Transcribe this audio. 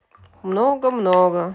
много много